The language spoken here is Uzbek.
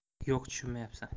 yo'q tushunmaysan